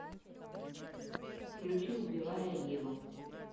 включи убивая еву